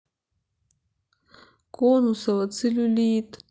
конусова целлюлит